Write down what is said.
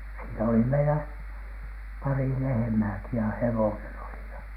siinä oli meillä pari lehmääkin ja hevonen oli ja